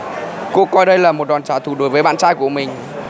cô coi đây là một đòn trả thù đối với bạn trai của mình